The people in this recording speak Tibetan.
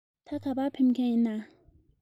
ད ག པར ཕེབས མཁན ཡིན ན